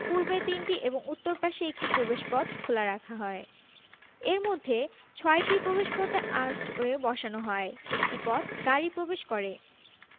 পূর্বে তিনটি এবং উত্তর পাশে একটি প্রবেশপথ খোলা রাখা হয় এর মধ্যে ছয়টি প্রবেশপথে আর্চওয়ে বসানো হয় একটি পথ গাড়ি প্রবেশ করে